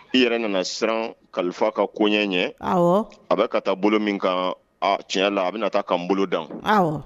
I yɛrɛ nana siran kalifafa ka ko ɲɛ a bɛ ka taa bolo min ka tiɲɛ la a bɛ taa k'an boloda